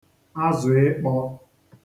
azụ ịkpọ